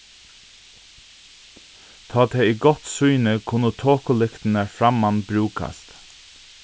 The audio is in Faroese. tá tað er gott sýni kunnu tokulyktirnar framman brúkast